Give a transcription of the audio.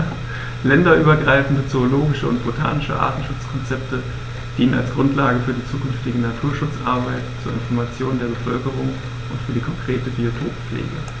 Länderübergreifende zoologische und botanische Artenschutzkonzepte dienen als Grundlage für die zukünftige Naturschutzarbeit, zur Information der Bevölkerung und für die konkrete Biotoppflege.